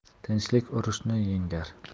tinchlik urushni yengar